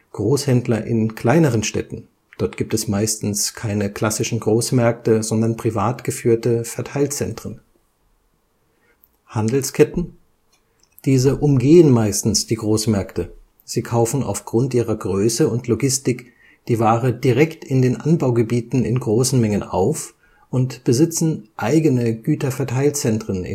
Großhändler in kleineren Städten; dort gibt es meistens keine klassischen Großmärkte, sondern privat geführte Verteilzentren. Handelsketten: Diese umgehen meistens die Großmärkte, sie kaufen aufgrund ihrer Größe und Logistik die Ware direkt in den Anbaugebieten in großen Mengen auf und besitzen eigene Güterverteilzentren